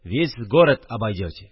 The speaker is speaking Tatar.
Весь город обойдете